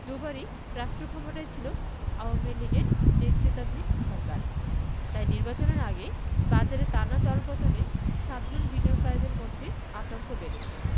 দুবারই রাষ্ট্রক্ষমতায় ছিল আওয়ামী লীগের নেতৃত্বাধীন সরকার তাই নির্বাচনের আগে বাজারের টানা দরপতনে সাধারণ বিনিয়োগকারীদের মধ্যে আতঙ্ক বেড়েছে